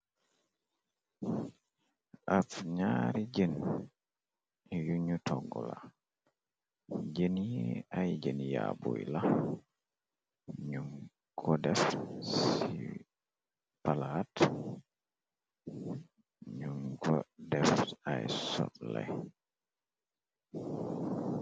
Af naari jën, yuñu toggla, jën yi ay jën yaabuy la, nu ko def palaat, num ko def ay sotley.